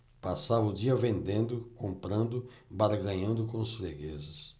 passava o dia vendendo comprando barganhando com os fregueses